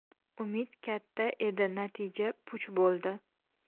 umid katta edi natija puch bo'ldi